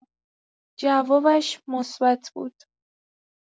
جوابش مثبت بود.